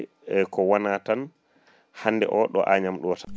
ko wona tan hande o ɗo Agname ɗo tan